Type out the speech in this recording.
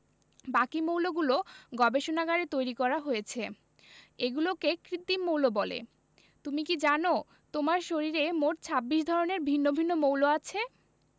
বাকি মৌলগুলো গবেষণাগারে তৈরি করা হয়েছে এগুলোকে কৃত্রিম মৌল বলে তুমি কি জানো তোমার শরীরে মোট ২৬ ধরনের ভিন্ন ভিন্ন মৌল আছে